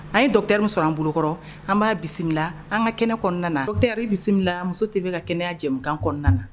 An ye docteur min sɔrɔ bolokɔrɔ an b'a bisimila an ka kɛnɛ kɔnɔna docteur i bisimila muso TV ka kɛnɛya jamukan kɔnɔna na.